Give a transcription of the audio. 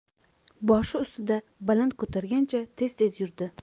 boshi ustida baland ko'targancha tez tez yurdi